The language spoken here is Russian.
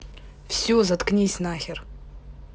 все заткнись нахер